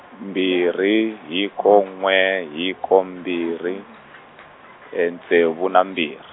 mbirhi hiko n'we hiko mbirhi ntsevu na mbir-.